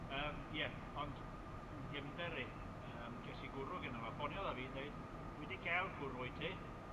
Yy, ie, ond, 'yn nghefnder i, yym, ges i gwrw gynno fo, ffoniodd a fi yn deud, dwi 'di ca'l cwrw i ti.